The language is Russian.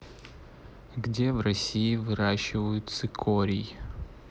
где в россии выращивают цикорий